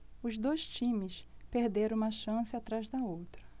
os dois times perderam uma chance atrás da outra